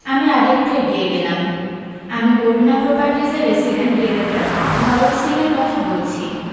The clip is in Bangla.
আমি আর একটু এগিয়ে গেলাম আমি বরুণা প্রপারটিজের রেসিডেণ্ট ডিরেকটর ভরত সিংয়ের কথা বলছি